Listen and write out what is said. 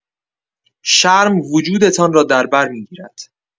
شرم وجودتان را در بر می‌گیرد.